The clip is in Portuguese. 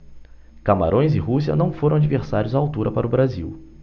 camarões e rússia não foram adversários à altura para o brasil